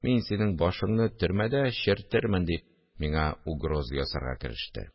Мин синең башыңны төрмәдә черетермен! – дип, миңа угроза ясарга кереште